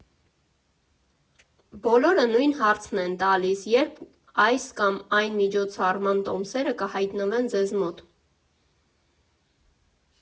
Բոլորը նույն հարցն են տալիս՝ ե՞րբ այս կամ այն միջոցառման տոմսերը կհայտնվեն ձեզ մոտ։